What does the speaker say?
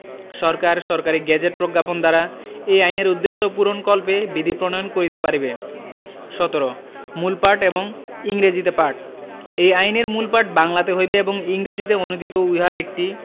সরকার সরকারী গেজেটে প্রজ্ঞাপন দ্বারা এই আইনের উদ্দেশ্য পূরণকল্পে বিধি প্রণয়ন করিতে পারিবে ১৭ মূল পাঠ এবং ইংরেজীতে পাঠঃ এই আইনের মূল পাঠ বাংলাতে হইবে এবং ইংরেজীতে অনূদিত উহার একটি